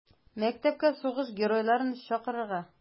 Мәктәпкә сугыш геройларын чакырырга.